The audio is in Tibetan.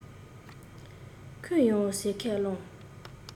ཁོས ཡོང ཟེར ཁས བླངས